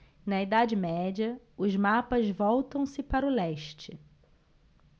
na idade média os mapas voltam-se para o leste